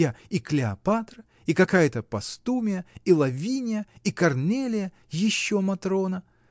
Я — и Клеопатра, и какая-то Постумия, и Лавиния, и Корнелия, еще Матрона.